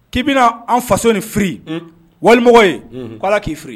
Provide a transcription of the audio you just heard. K'i bɛna an faso ni fili walimamɔgɔ ye k' k'i fili